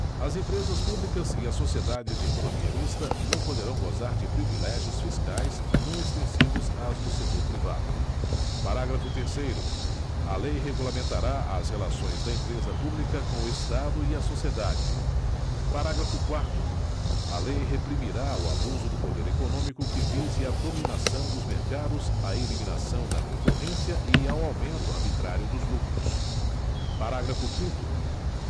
as empresas públicas e as sociedades de economia mista não poderão gozar de privilégios fiscais não extensivos às do setor privado parágrafo terceiro a lei regulamentará as relações da empresa pública com o estado e a sociedade parágrafo quarto a lei reprimirá o abuso do poder econômico que vise à dominação dos mercados à eliminação da concorrência e ao aumento arbitrário dos lucros parágrafo quinto